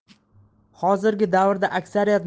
hozirgi davrda aksariyat